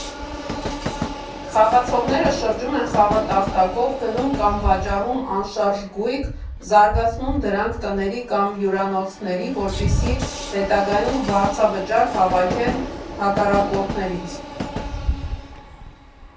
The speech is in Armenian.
Խաղացողները շրջում են խաղատախտակով, գնում կամ վաճառում անշարժ գույք, զարգացնում դրանք տների կամ հյուրանոցների, որպեսզի հետագայում վարձավճար հավաքեն հակառակորդներից։